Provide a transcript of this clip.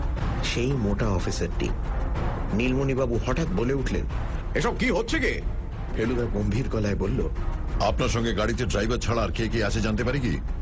সেই মোটা অফিসারটি নীলমণিবাবু হঠাৎ বলে উঠলেন এ সব কী হচ্ছে কী ফেলুদা গম্ভীর গলায় বলল আপনার সঙ্গে গাড়িতে ড্রাইভার ছাড়া আর কে আছে জানতে পারি কি